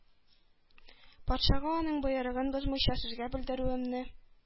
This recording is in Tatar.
Патшага аның боерыгын бозмыйча сезгә белдерүемне